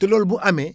te loolu bu amee